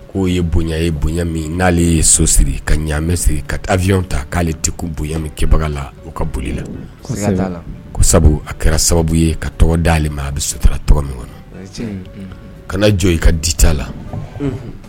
K'o ye boɲa ye boɲa min n'ale ye so siri ka ɲaamɛ siri ka t avion ta k'ale te ku bonya min kɛbaga la o ka boli la siga t'a la ko sabu a kɛra sababu ye ka tɔgɔ d'ale ma a bi sutura tɔgɔ min ŋɔnɔ o ye tiɲɛ ye un un un kana jɔ i ka dita la unhun